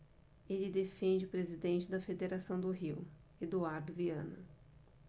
ele defende o presidente da federação do rio eduardo viana